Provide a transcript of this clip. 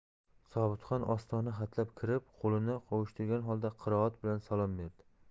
sobitxon ostona hatlab kirib qo'lini qovushtirgan holda qiroat bilan salom berdi